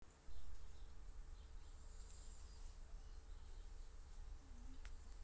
в какую он еду есть